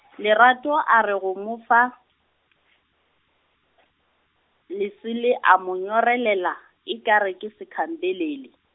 Lerato a re go mo fa , lesile a mo nyorelela, e kgare ke sekhampelele.